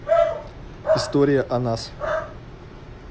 история о нас